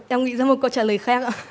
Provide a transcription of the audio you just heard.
em nghĩ ra một câu trả lời khác ạ